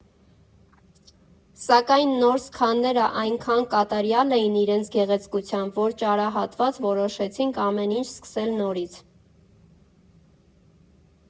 Սակայն նոր սքանները այնքան կատարյալ էին իրենց գեղեցկությամբ, որ ճարահատված, որոշեցինք ամեն ինչ սկսել նորից…